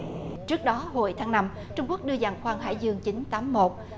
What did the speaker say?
trước đó hồi tháng năm trung quốc đưa giàn khoan hải dương chín tám một